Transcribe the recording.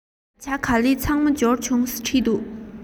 ཇ ག ལི ཚང མ འབྱོར བྱུང